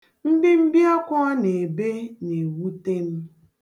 Mbimbiakwa ọ na-ebe na-ewute m.